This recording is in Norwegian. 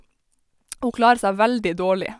Og hun klarer seg veldig dårlig.